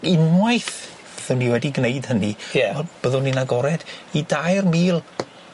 ...ag unwaith 'dden ni wedi gwneud hynny ... Ie. wel byddwn ni'n agored i dair mil